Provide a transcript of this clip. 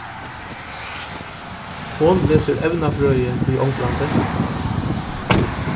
hon lesur evnafrøði í onglandi